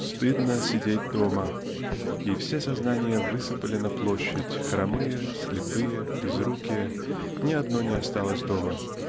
Стыдно сидеть дома!" -- и все сознания высыпали на площадь хромые слепые безрукие ни одно не осталось дома.